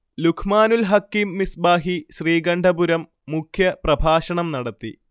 ലുഖ്മാനുൽ ഹക്കീം മിസ്ബാഹി ശ്രീകണ്ഠപുരം മുഖ്യ പ്രഭാഷണം നടത്തി